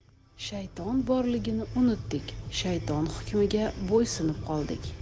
shayton borligini unutdik shayton hukmiga bo'ysunib qoldik